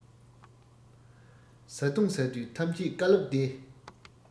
བཟའ བཏུང ཟ དུས ཐམས ཅད བཀའ སློབ བདེ